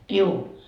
juu